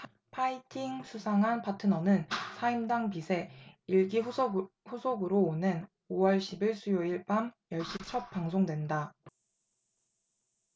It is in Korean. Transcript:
파이팅 수상한 파트너는 사임당 빛의 일기 후속으로 오는 오 월 십 일 수요일 밤 열 시 첫 방송된다